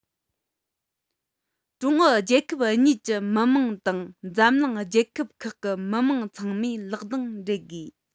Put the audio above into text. ཀྲུང ཨུ རྒྱལ ཁབ གཉིས ཀྱི མི དམངས དང འཛམ གླིང རྒྱལ ཁབ ཁག གི མི དམངས ཚང མས ལག གདང སྦྲེལ དགོས